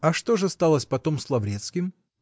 -- А что же сталось потом с Лаврецким?